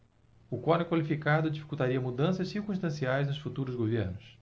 o quorum qualificado dificultaria mudanças circunstanciais nos futuros governos